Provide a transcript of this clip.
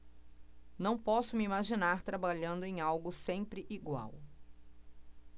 não posso me imaginar trabalhando em algo sempre igual